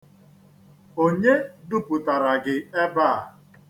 Onye dupụtara gị ebe a?